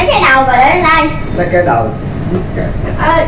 lấy cái đầu để lên đây lấy cái đầu bứt ra